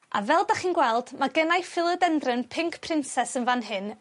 A fel 'dach chi'n gweld ma' gennai philodendron pink princess yn fan hyn